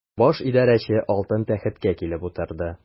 Баш идарәче алтын тәхеткә килеп утырды.